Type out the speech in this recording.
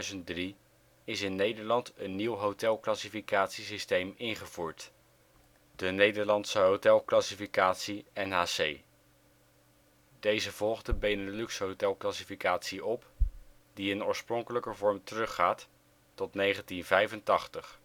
1 juli 2003 is in Nederland een nieuw hotelclassificatiesysteem ingevoerd: de Nederlandse Hotel Classificatie (NHC). Deze volgde Benelux-Hotelclassificatie op die in oorspronkelijke vorm teruggaat tot 1985. In